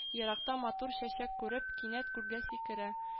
Еракта матур чәчәк күреп, кинәт күлгә сикерә